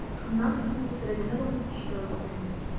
Шуннан соң ул тәрәзәне ватып эчкә үткән.